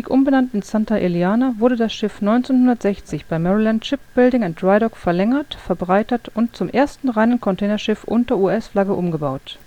umbenannt in Santa Eliana wurde das Schiff 1960 bei Maryland Shipbuilding and Drydock verlängert, verbreitert und zum ersten reinen Containerschiff unter US-Flagge umgebaut